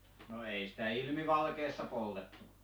no ei sitä ilmivalkeassa poltettu